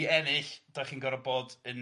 i ennill, dach chi'n gorfod bod yn